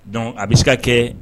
Donc a bɛ se ka kɛ